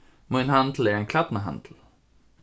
mín handil er ein klædnahandil